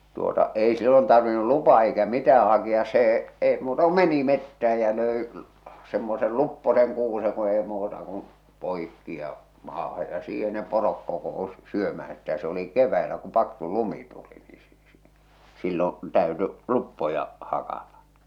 tuota ei silloin tarvinnut lupaa eikä mitään hakea se ei muuta kuin meni metsään ja löi semmoisen luppoisen kuusen kun ei muuta kuin poikki ja maahan ja siihen ne porot kokoontui syömään sitä se oli keväisin kun paksu lumi tuli niin -- silloin täytyi luppoja hakata